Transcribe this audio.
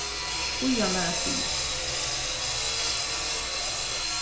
bíða mær eitt bil